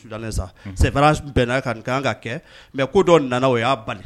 . Unhun. . Tun bɛnn'a kan nin tun ka kan ka kɛ mais ko dɔ nana o y'a bali.